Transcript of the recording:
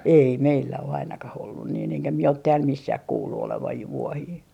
ei meillä ole ainakaan ollut niin enkä minä ole täällä missään kuullut olevan jo vuohia